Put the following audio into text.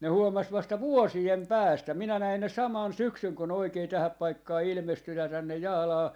ne huomasi vasta vuosien päästä minä näin ne samana syksynä kun ne oikein tähän paikkaan ilmestynyt tänne Jaalaan